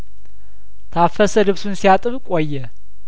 ታፈሰ ልብሱን ሲያጥብ ቆየ